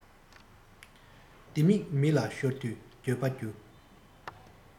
ལྡེ མིག མི ལ ཤོར དུས འགྱོད པའི རྒྱུ